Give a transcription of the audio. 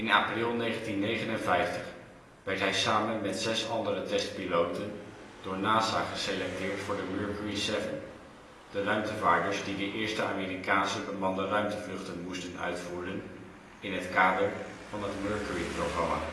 april 1959 werd hij samen met zes andere testpiloten door NASA geselecteerd voor de Mercury Seven, de ruimtevaarders die de eerste Amerikaanse bemande ruimtevluchten moesten uitvoeren in het kader van het Mercury programma